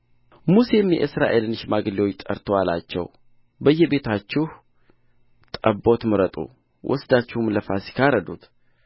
ሙሴም የእስራኤልን ሽማግሌዎች ጠርቶ አላቸው በየቤታችሁ ጠቦት ምረጡ ወስዳችሁም ለፋሲካ እረዱት